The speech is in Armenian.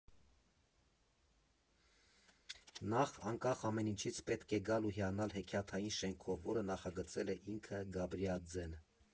Նախ՝ անկախ ամեն ինչից պետք է գալ ու հիանալ հեքիաթային շենքով, որը նախագծել է ինքը՝ Գաբրիաձեն։